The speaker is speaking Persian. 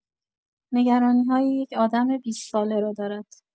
نگرانی‌های یک آدم بیست ساله را دارد.